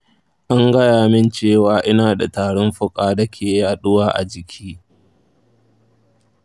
an gaya min cewa ina da tarin fuka da ke yaduwa a jiki .